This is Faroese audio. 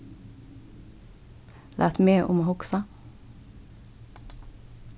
lat meg um at hugsa